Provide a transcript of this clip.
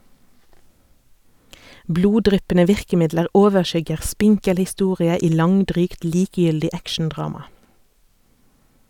Bloddryppende virkemidler overskygger spinkel historie i langdrygt, likegyldig actiondrama.